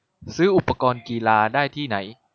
ซื้ออุปกรณ์กีฬาได้ที่ไหน